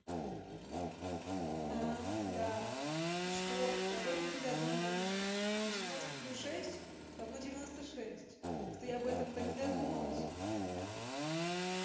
а да и что я об этом не додумалась что девяносто плюс шесть равно девяносто шесть что я об этом то не додумалась